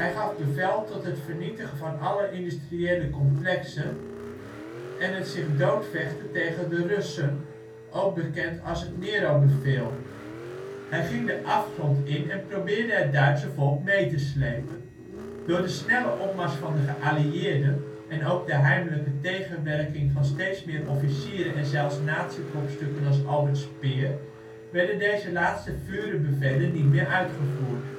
gaf bevel tot het vernietigen van alle industriële complexen en het zich doodvechten tegen de Russen (ook bekend als het Nerobefehl). Hij ging de afgrond in en probeerde het Duitse volk mee te slepen. Door de snelle opmars van de geallieerden en ook de (heimelijke) tegenwerking van steeds meer officieren en zelfs nazikopstukken als Albert Speer, werden deze laatste Führerbefehlen niet meer uitgevoerd